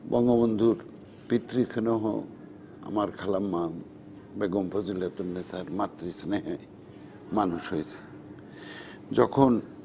বঙ্গবন্ধু পিতৃস্নেহ আমার খালাম্মা বেগম ফজিলাতুন্নেসার মাতৃস্নেহে মানুষ হয়েছি যখন